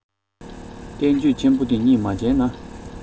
བསྟན བཅོས ཆེན པོ འདི གཉིས མ མཇལ ན